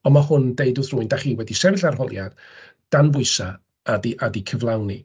Ond ma' hwn yn deud wrth rywun dach chi wedi sefyll arholiad, dan bwysau, a 'di a 'di cyflawni.